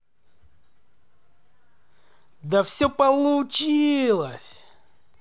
да все получилось